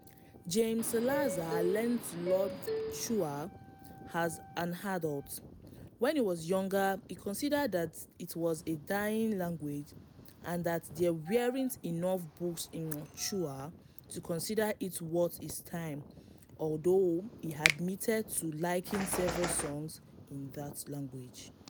Jaime Salazar learned to love Quechua as an adult: when he was younger he considered that it was a dying language and that there weren't enough books in Quechua to consider it worth his time, although he admitted to liking several songs in that language.